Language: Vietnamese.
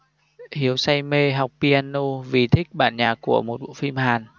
hiếu say mê học piano vì thích bản nhạc của một bộ phim hàn